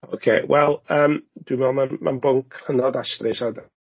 Ocê wel yym dwi'n meddwl ma' mae'n bwnc hynod astrus.